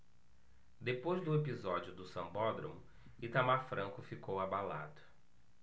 depois do episódio do sambódromo itamar franco ficou abalado